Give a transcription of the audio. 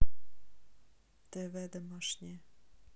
тв домашнее